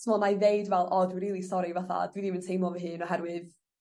t'mo 'nai ddeud fel o dwi rili sorri fatha dwi ddim yn teimlo fy hun oherwydd